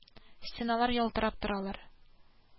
Стеналар ялтырап торалар